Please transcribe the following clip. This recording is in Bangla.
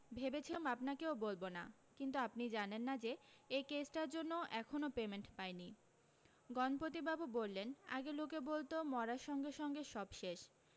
ভেবেছিলুম আপনাকেও বলবো না কিন্তু আপনি জানেন না যে এই কেসটার জন্য এখনও পেমেণ্ট পাই নি গণপতিবাবু বললেন আগে লোকে বলতো মরার সঙ্গে সঙ্গে সব শেষ